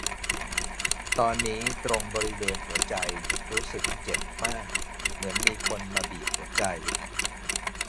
ตอนนี้ตรงบริเวณหัวใจรู้สึกเจ็บมากเหมือนมีคนมาบีบหัวใจ